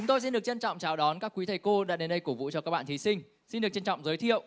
tôi xin được trân trọng chào đón các quý thầy cô đã đến đây cổ vũ cho các bạn thí sinh xin được trân trọng giới thiệu